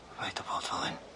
Paid â bod fel 'yn!